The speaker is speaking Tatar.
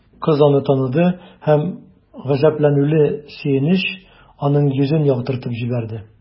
Кыз аны таныды һәм гаҗәпләнүле сөенеч аның йөзен яктыртып җибәрде.